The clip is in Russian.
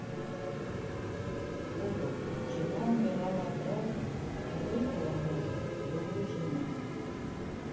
google жена умирала от рака и выбрала мужу другую жену